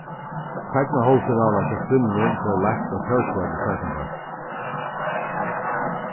seinna hálvfinalan hjá kvinnunum bleiv leikt á tórsvølli seinnapartin